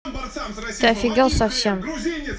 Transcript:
ты офигел совсем